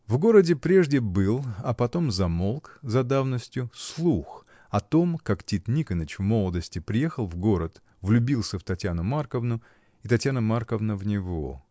В городе прежде был, а потом замолк, за давностию, слух о том, как Тит Никоныч, в молодости, приехал в город, влюбился в Татьяну Марковну, и Татьяна Марковна в него.